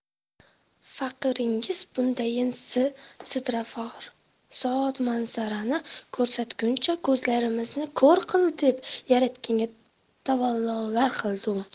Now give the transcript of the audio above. faqiringiz bundayin sidrafarsoy manzarani ko'rsatguncha ko'zlarimizni ko'r qil deb yaratganga tavallolar qildum